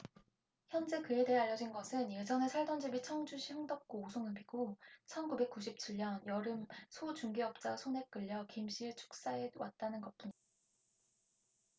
현재 그에 대해 알려진 것은 예전에 살던 집이 청주시 흥덕구 오송읍이고 천 구백 구십 칠 년 여름 소 중개업자의 손에 끌려 김씨의 축사에 왔다는 것뿐이다